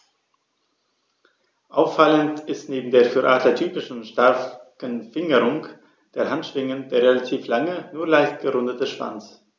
Auffallend ist neben der für Adler typischen starken Fingerung der Handschwingen der relativ lange, nur leicht gerundete Schwanz.